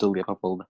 dylia pobol de?